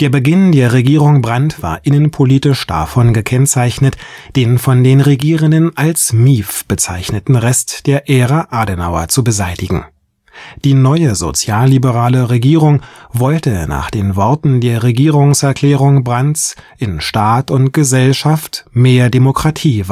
Beginn der Regierung Brandt war innenpolitisch davon gekennzeichnet, den von den Regierenden als „ Mief “bezeichneten Rest der Ära Adenauer zu beseitigen. Die neue sozialliberale Regierung wollte nach den Worten der Regierungserklärung Brandts in Staat und Gesellschaft „ mehr Demokratie